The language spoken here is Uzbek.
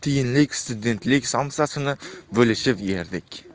tiyinlik studentlik somsasini bo'lishib yerdik